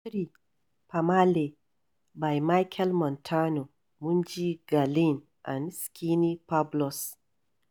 3. "Famalay" by Machel Montano, Bunji Garlin and Skinny Fabulous